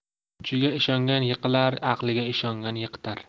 kuchiga ishongan yiqilar aqliga ishongan yiqitar